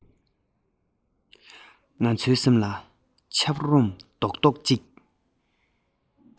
ང ཚོའི སེམས ན ཆབ རོམ རྡོག རྡོག གཅིག